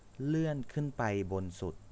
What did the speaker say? เลื่อนขึ้นไปบนสุด